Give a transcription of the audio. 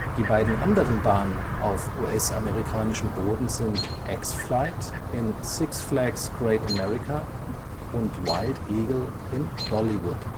die anderen Bahnen auf US-amerikanischem Boden sind X-Flight in Six Flags Great America und Wild Eagle in Dollywood